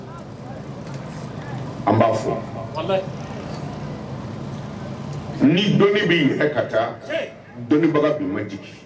An b'a fɔ ni dɔnni bɛ yen ka taa dɔnnibaga tun ma jigin